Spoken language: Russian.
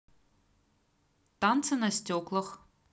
танцы на стеклах